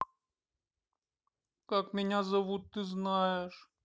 как меня зовут ты знаешь